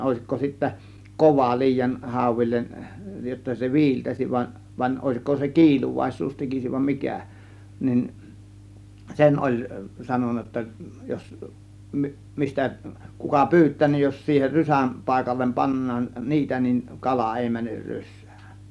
olisitko sitten kova liian hauille jotta se viiltäisi vaan vaan olisiko se kiiluvaisuus tekisi vai mikä niin sen oli sanonut jotta jos mistä kuka pyytää niin jos siihen rysän paikalle pannaan niitä niin kala ei mene rysään